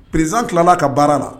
Perez tilana ka baara na